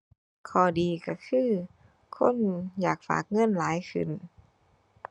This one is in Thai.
ข้อดีก็คือ คนอยากฝากเงินหลายขึ้น